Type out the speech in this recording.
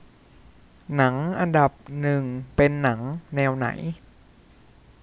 หนังอันดับหนึ่งเป็นหนังแนวไหน